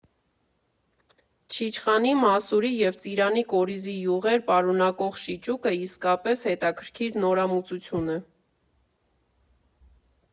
Չիչխանի, մասուրի և ծիրանի կորիզի յուղեր պարունակող շիճուկը իսկապես հետաքրքիր նորամուծություն է։